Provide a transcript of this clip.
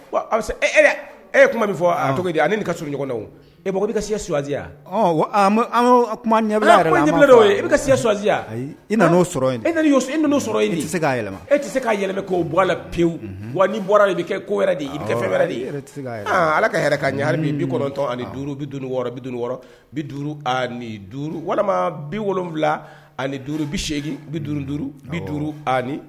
E kuma min fɔ a cogo di ani kaurun ɲɔgɔn e i bɛ ka siɲɛ suwazya kuma ɲɛ i bɛ ka si swasanzya i o sɔrɔ sɔrɔ i tɛ se k' yɛlɛma e tɛ se k'a yɛlɛmɛ' bɔ la pewu wa ni bɔra bɛ kɛ ko wɛrɛ de i wɛrɛ i tɛ se aaa ala ka hɛrɛ ka min bɛtɔn ani duuru bi dun wɔɔrɔ bi wɔɔrɔ bi duuru ani duuru walima bi wolonwula ani duuru bi seegin bi duuru duuru bi duuru ani